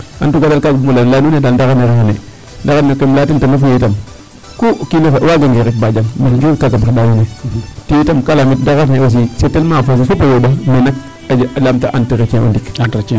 En tout cas daal kaaga bugum o lay a nuun ndaxar ne xay xeene ndaxar ne keem laya teen ten refu yee tam ku o kiin oxe o waaganga rek ba jaɓ kaaga um xeɗaa wiin we. Tiye itam ka lamit ndaxar ne aussi s' est tellement facile fop a yooɓa mais nak a laamta entretien o ndik.